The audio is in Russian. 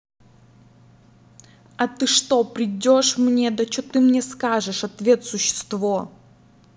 а ты что придешь мне да че ты мне скажешь ответ существо